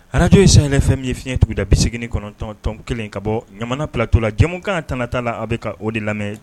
Arajo ye sahel fm ye fiɲɛ tuguda 89.1 ka bɔ ɲamana plateau la jamukan tana t'a la a' bɛ ka o de lamɛn